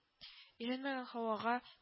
Өйрәнмәгән һавага